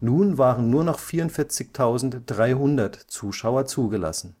Nun waren nur noch 44.300 Zuschauer zugelassen